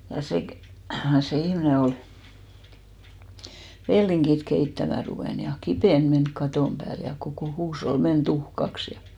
ja se - se ihminen oli vellinkiä keittämään ruvennut ja kipinä mennyt katon päälle ja koko huusholli meni tuhkaksi ja